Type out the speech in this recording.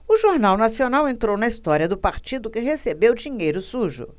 o jornal nacional entrou na história do partido que recebeu dinheiro sujo